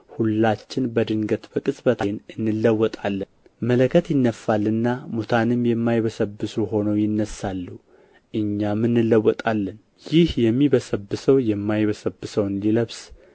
ሁላችን በድንገት በቅጽበት ዓይን እንለወጣለን መለከት ይነፋልና ሙታንም የማይበሰብሱ ሆነው ይነሣሉ እኛም እንለወጣለን ይህ የሚበሰብሰው የማይበሰብሰውን ሊለብስ